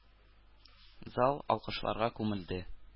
Зал алкышларга күмелде.